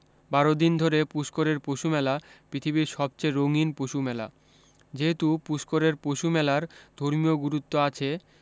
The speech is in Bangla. বারো দিন ধরে পুস্করের পশু মেলা পৃথিবীর সবচেয়ে রঙ্গিন পশু মেলা যেহেতু পুস্করের পশু মেলার ধর্মীয় গুরুত্ব আছে